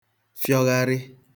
fịọgharị